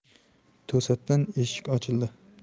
to'satdan eshik ochildi